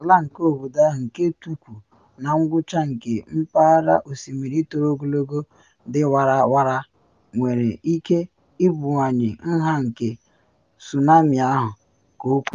Ala nke obodo ahụ, nke tukwu na ngwụcha nke mpaghara osimiri toro ogologo, dị warawara, nwere ike ibuwanye nha nke tsunami ahụ, ka o kwuru.